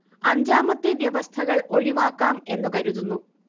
അഞ്ചാമത്തെ വ്യവസ്ഥകൾ ഒഴിവാക്കാം എന്നു കരുതുന്നു